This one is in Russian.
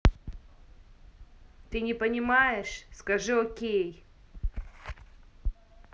ты не понимаешь скажи okay